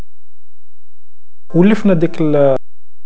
والفنادق